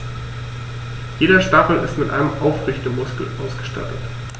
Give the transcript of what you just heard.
Jeder Stachel ist mit einem Aufrichtemuskel ausgestattet.